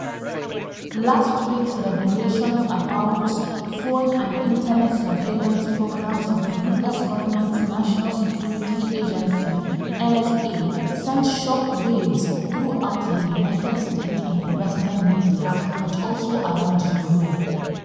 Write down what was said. Last week's revelations about phone and Internet surveillance programs of the US government's National Security Agency (NSA) sent shock waves throughout the United States and the western media, but also around the globe.